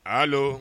Aa